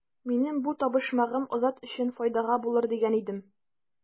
Минем бу табышмагым Азат өчен файдага булыр дигән идем.